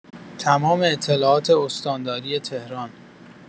تمام اطلاعات استانداری تهران